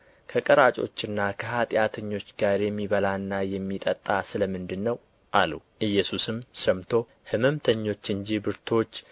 ከቀራ ጮችና ከኃጢአተኞች ጋር የሚበላና የሚጠጣ ስለ ምንድር ነው አሉ ኢየሱስም ሰምቶ ሕመምተኞች እንጂ ብርቱዎች